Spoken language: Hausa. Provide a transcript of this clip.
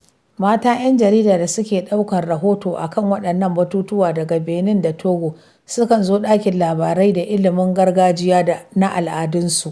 Mata 'yan jarida da suke ɗaukar rahoto a kan waɗannan batutuwan daga Benin da Togo, sukan zo ɗakin labarai da ilimin gargajiya na al'adunsu.